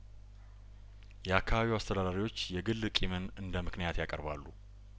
የአካባቢው አስተዳዳሪዎች የግል ቂምን እንደምክንያት ያቀርባሉ